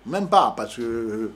Même pas parce que